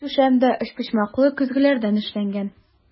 Түшәм дә өчпочмаклы көзгеләрдән эшләнгән.